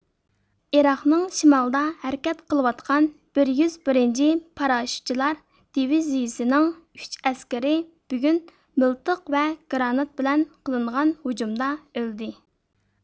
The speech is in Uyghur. ئىراقنىڭ شىمالىدا ھەرىكەت قىلىۋاتقان بىر يۈز بىرىنجى پاراشوتچىلار دىۋىزىيىسىنىڭ ئۈچ ئەسكىرى بۈگۈن مىلتىق ۋە گرانات بىلەن قىلىنغان ھۇجۇمدا ئۆلدى